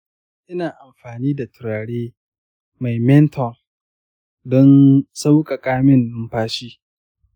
ina amfani da tururi mai menthol don sauƙaƙa min numfashi.